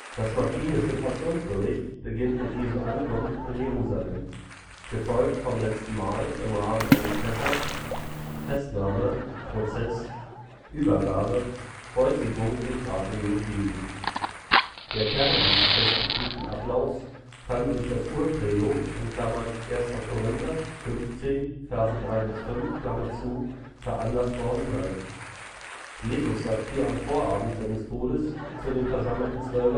Der markinische Passionsbericht beginnt mit Jesu Ankunft in Jerusalem, gefolgt vom letzten Mahl im Rahmen eines Pessach, Festnahme, Prozess, Übergabe, Kreuzigung und Grablegung Jesu. Der Kern dieses festgefügten Ablaufs kann durch das Urcredo (1 Kor 15,3-5) veranlasst worden sein. Jesus sagt hier am Vorabend seines Todes zu dem versammelten Zwölferkreis, der